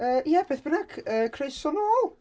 Yy ia beth bynnag, yy croeso nôl!